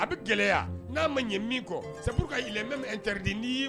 A bɛ gɛlɛyaya n'a ma ye min kɔ sabu ka yɛlɛmamɛri di n